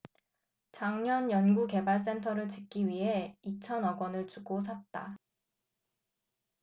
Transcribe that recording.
작년 연구개발센터를 짓기 위해 이천 억원을 주고 샀다